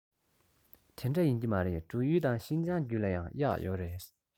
དེ འདྲ ཡིན གྱི མ རེད འབྲུག ཡུལ དང ཤིན ཅང རྒྱུད ལ ཡང གཡག ཡོད རེད